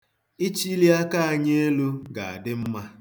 Ịchịli aka anyị elu ga-adị mma.